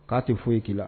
K'a tɛ foyi' la